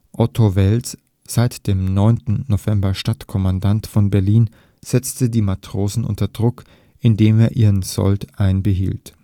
Otto Wels, seit dem 9. November Stadtkommandant von Berlin, setzte die Matrosen unter Druck, indem er ihren Sold einbehielt